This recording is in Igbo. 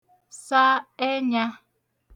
sa ẹnya